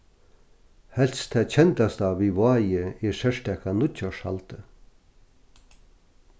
helst tað kendasta við vági er serstaka nýggjárshaldið